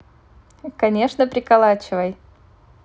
конечно приколачивай